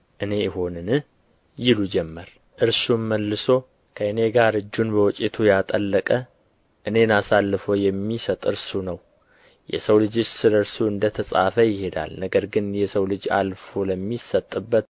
እኔ እሆንን ይሉት ጀመር እርሱም መልሶ ከእኔ ጋር እጁን በወጭቱ ያጠለቀ እኔን አሳልፎ የሚሰጥ እርሱ ነው የሰው ልጅስ ስለ እርሱ እንደ ተጻፈ ይሄዳል ነገር ግን የሰው ልጅ አልፎ ለሚሰጥበት